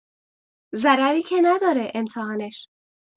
ضرری که نداره امتحانش!